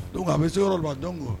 Don a an bɛ se yɔrɔ don a dɔn kuwa